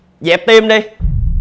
dẹp tim đi